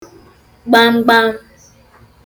gbamgbam